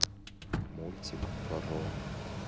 мультик про